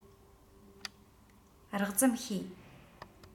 རགས ཙམ ཤེས